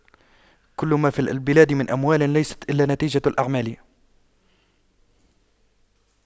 كل ما في البلاد من أموال ليس إلا نتيجة الأعمال